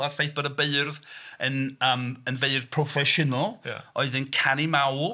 A'r ffaith bod y beirdd yn yym yn feirdd proffesiynol... ia. ...oedd yn canu mawl.